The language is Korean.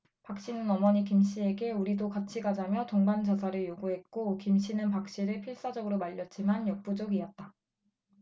박씨는 어머니 김씨에게 우리도 같이 가자며 동반 자살을 요구했고 김씨는 박씨를 필사적으로 말렸지만 역부족이었다